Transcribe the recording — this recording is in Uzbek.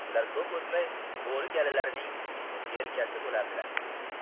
ular ko'p o'tmay bo'ri galalarining serkasi bo'lardilar